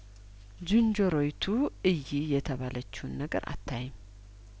ጅንጀሮዪቱ እዪ የተባለችውን ነገር አታይም